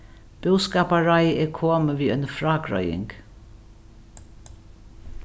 búskaparráðið er komið við eini frágreiðing